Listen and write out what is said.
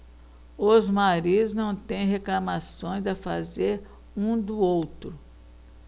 os maridos não têm reclamações a fazer um do outro